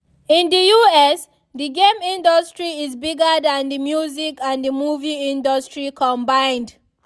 In the US, the game industry is bigger than the music and the movie industry combined.